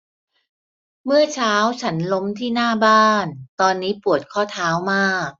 เมื่อเช้าฉันล้มที่หน้าบ้านตอนนี้ปวดข้อเท้ามาก